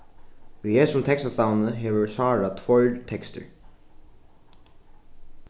í hesum tekstasavni hevur sára tveir tekstir